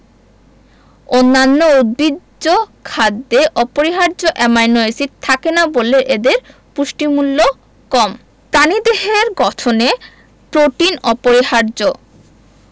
অন্যান্য উদ্ভিজ্জ খাদ্যে অপরিহার্য অ্যামাইনো এসিড থাকে না বলে এদের পুষ্টিমূল্য কম প্রাণীদেহের গঠনে প্রোটিন অপরিহার্য